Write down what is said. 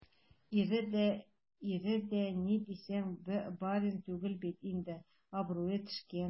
Ире дә, ни дисәң дә, барин түгел бит инде - абруе төшкән.